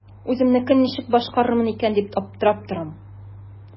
Үземнекен ничек башкарырмын икән дип аптырап торам.